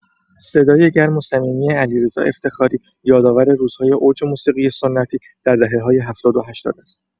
صدای گرم و صمیمی علیرضا افتخاری یادآور روزهای اوج موسیقی سنتی در دهه‌های هفتاد و هشتاد است.